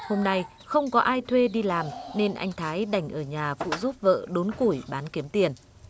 hôm nay không có ai thuê đi làm nên anh thái đành ở nhà phụ giúp vợ đốn củi bán kiếm tiền